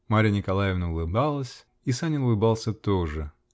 Марья Николаевна улыбалась, и Санин улыбался тоже.